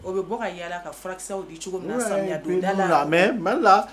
U bɛ bɔ ka yala a ka furakisɛsɛw di cogo min na samiya don da la mais Mali la